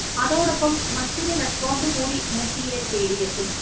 അതോടൊപ്പം മറ്റൊരു റെക്കോർഡ് കൂടി മെസ്സിയെ തേടിയെത്തും